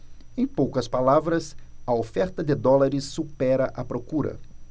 em poucas palavras a oferta de dólares supera a procura